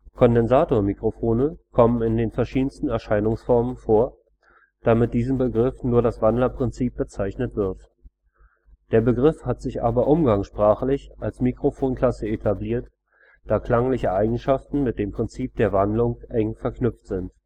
Kondensatormikrofone kommen in den verschiedensten Erscheinungsformen vor, da mit diesem Begriff nur das Wandlerprinzip bezeichnet wird. Der Begriff hat sich aber umgangssprachlich als Mikrofon-Klasse etabliert, da klangliche Eigenschaften mit dem Prinzip der Wandlung eng verknüpft sind